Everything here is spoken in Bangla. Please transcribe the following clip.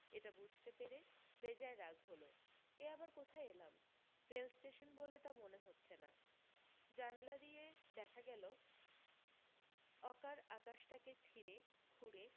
এটা বুঝতে পেরে বেজায় রাগ হল এ আবার কোথায় এলাম রেল স্টেশন বলে তা মনে হচ্ছে না জানলা দিয়ে দেখা গেল অকার আকাশটাকে ছিড়ে খুঁড়ে